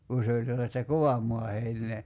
kun se oli sellaista kovan maan heinää